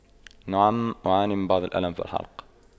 نعم أعاني من بعض الألم في الحلق